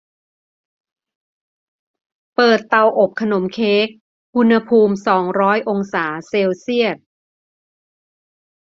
เปิดเตาอบขนมเค้กอุณหภูมิสองร้อยองศาเซลเซียส